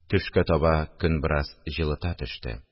Төшкә таба көн бераз җылыта төште